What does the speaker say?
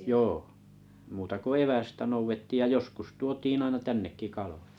joo muuta kuin evästä noudettiin ja joskus tuotiin aina tännekin kaloja